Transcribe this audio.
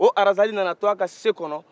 o razali nana to a ka se kɔnɔ